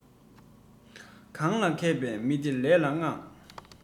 གང ལ མཁས པའི མི དེ ལས ལ མངགས